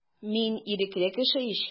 Мин ирекле кеше ич.